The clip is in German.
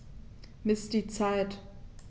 Miss die Zeit.